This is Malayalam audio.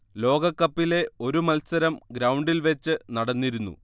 ലോകകപ്പിലെ ഒരു മത്സരം ഗ്രൗണ്ടിൽ വെച്ച് നടന്നിരുന്നു